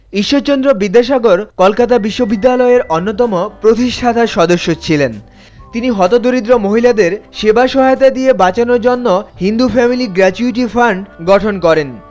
ইশ্বরচন্দ্র বিদ্যাসাগর কলকাতা বিশ্ববিদ্যালয়ের অন্যতম প্রতিষ্ঠাতা সদস্য ছিলেন তিনি হতদরিদ্র মহিলাদের সেবা সহায়তা দিয়ে বাঁচানোর জন্য হিন্দু ফ্যামিলি গ্রাচুইটি ফান্ড গঠন করেন